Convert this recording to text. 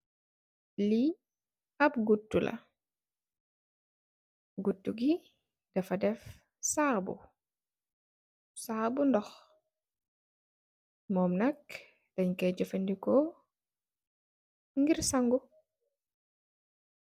Lii ab guttu la, guttu bi dafa def saabu, saabu ndox. Mom nak, dañge kooy jafëndekoo, ngir sangu.